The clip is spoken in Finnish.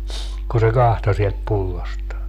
kun se katsoi sieltä pullostaan